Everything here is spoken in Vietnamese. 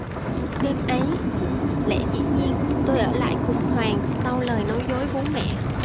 đêm ấy lẽ dĩ nhiên tôi ở lại cùng hoàng sau lời nói dối bố mẹ